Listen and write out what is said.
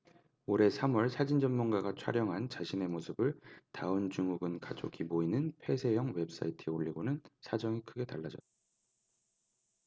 올해 삼 월 사진 전문가가 촬영한 자신의 모습을 다운증후군 가족이 모이는 폐쇄형 웹사이트에 올리고는 사정이 크게 달라졌다